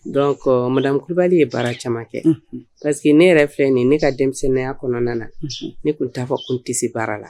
Donc madame kulibali ye baara caaman kɛ; unhun; parce que ne yɛrɛ filɛ nin ye, ne ka denmisɛnninya kɔnɔna na; unhun; Ne tun t'a fɔ n tɛ se baara la.